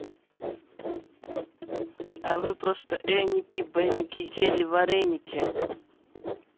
а вы просто эники беники ели вареники